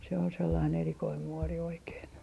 se on sellainen erikoinen muori oikein